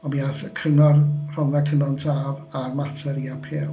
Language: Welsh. Ond mi aeth y cyngor Rhondda Cynon Taf a'r mater i apêl.